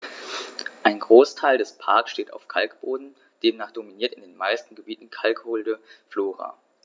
Ein Großteil des Parks steht auf Kalkboden, demnach dominiert in den meisten Gebieten kalkholde Flora.